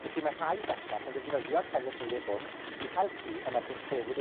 Felly, ma' rhai bellach yn defnyddio'r pêr lysieuyn hwn i helpu yn erbyn clefyd y